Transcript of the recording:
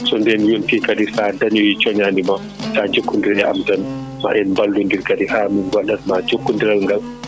so ndemi kadi sa dañoyi coñadima sa jokkudiri e am tan ma en ballodir kadi haa mi waɗanma jokkodiral gal